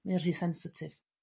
mae o rhy sensitif.